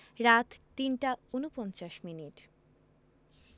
রাত ৩টা ৪৯ মিনিট